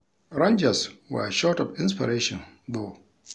Rangers were short of inspiration, though.